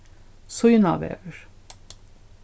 sýnávegur